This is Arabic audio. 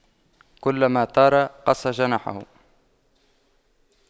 كلما طار قص جناحه